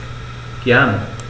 Gern.